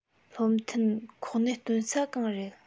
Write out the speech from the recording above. བློ མཐུན ཁོག ནད སྟོན ས གང རེད